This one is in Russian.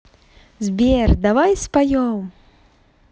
сбер давай споем